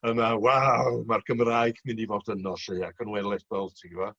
yna waw ma'r Gymraeg myn' i fod yno 'lly ac yn weledol ti gwbo.